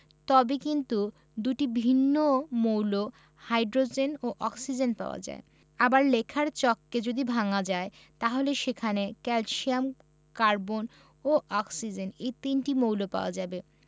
তবে কিন্তু দুটি ভিন্ন মৌল হাইড্রোজেন ও অক্সিজেন পাওয়া যায় আবার লেখার চককে যদি ভাঙা যায় তাহলে সেখানে ক্যালসিয়াম কার্বন ও অক্সিজেন এ তিনটি মৌল পাওয়া যাবে